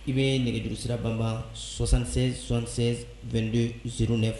I bɛ nɛgɛgejuru sirabanban sɔ27- son272don z de fɛ